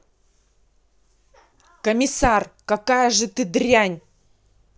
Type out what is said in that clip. комиссар какая же ты дрянь